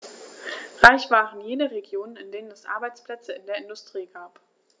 Reich waren jene Regionen, in denen es Arbeitsplätze in der Industrie gab.